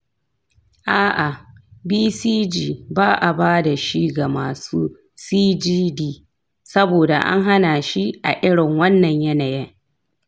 a’a, bcg ba a ba da shi ga masu cgd saboda an hana shi a irin wannan yanayin.